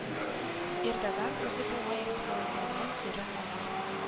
Эрдоган үзе бу гаепләүләрне кире кага